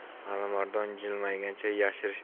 alimardon jilmaygancha yashirish